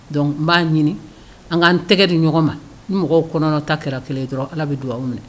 Dɔnku n b'a ɲini an kaan tɛgɛ di ɲɔgɔn ma ni mɔgɔw kɔnɔna ta kɛra kelen dɔrɔn ala bɛ don aw minɛ